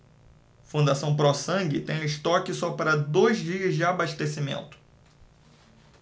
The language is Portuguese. fundação pró sangue tem estoque só para dois dias de abastecimento